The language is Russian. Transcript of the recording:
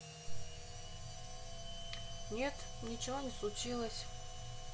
нет ничего не случилось